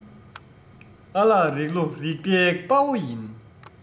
ཨ ལག རིག ལོ རིག པའི དཔའ བོ ཡིན